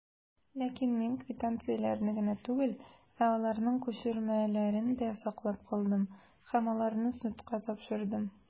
Ләкин мин квитанцияләрне генә түгел, ә аларның күчермәләрен дә саклап калдым, һәм аларны судка тапшырдым.